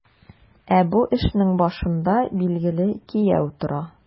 Ә бу эшнең башында, билгеле, кияү тора.